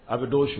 Aw bɛ don su